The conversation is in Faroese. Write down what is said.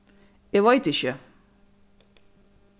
eg veit ikki